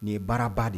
Nin ye baaraba de ye